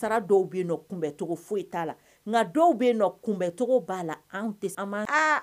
Foyi nka dɔw bɛ kunbɛncogo b'a la tɛ